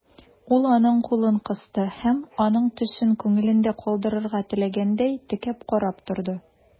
Ул аның кулын кысты һәм, аның төсен күңелендә калдырырга теләгәндәй, текәп карап торды.